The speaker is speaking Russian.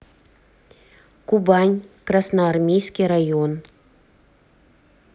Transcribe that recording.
кубань красноармейский район